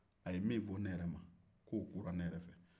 a ye min fɔ ne yɛrɛ ma o k'o kura ne yɛrɛ la